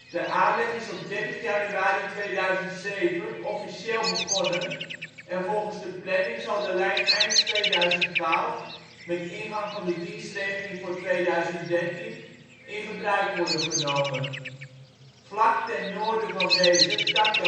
De aanleg is op 30 januari 2007 officieel begonnen en volgens de planning zal de lijn eind 2012, met ingang van de dienstregeling voor 2013, in gebruik worden genomen. Vlak ten noorden van Wezep takt